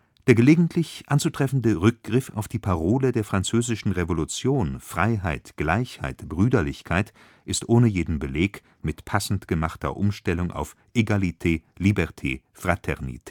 gelegentlich anzutreffende Rückgriff auf die Parole der französischen Revolution (Freiheit – Gleichheit – Brüderlichkeit) ist ohne jeden Beleg mit passend gemachter Umstellung auf Egalité – Liberté – Fraternité